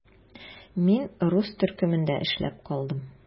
Мин рус төркемендә эшләп калдым.